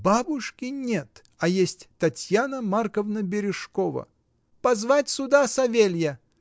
— Бабушки нет, а есть Татьяна Марковна Бережкова. Позвать сюда Савелья!